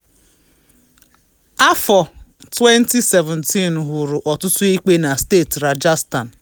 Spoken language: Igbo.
Afọ 2017 hụrụ ọtụtụ ikpe na steeti Rajasthan.